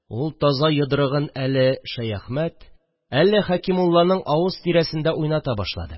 Ул таза йодрыгын әле Шәяхмәт, әле Хәкимулланың авыз тирәсендә уйната башлады